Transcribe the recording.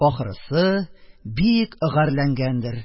Ахрысы, бик гарьләнгәндер: